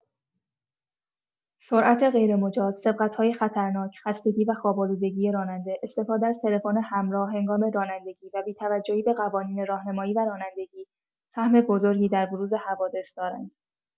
سرعت غیرمجاز، سبقت‌های خطرناک، خستگی و خواب‌آلودگی راننده، استفاده از تلفن همراه هنگام رانندگی و بی‌توجهی به قوانین راهنمایی و رانندگی، سهم بزرگی در بروز حوادث دارند.